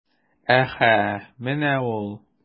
Әһә, менә ул...